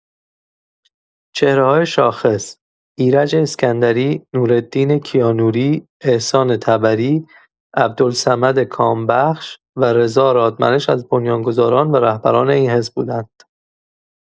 چهره‌های شاخص: ایرج اسکندری، نورالدین کیانوری، احسان طبری، عبدالصمد کامبخش و رضا رادمنش از بنیان‌گذاران و رهبران این حزب بودند.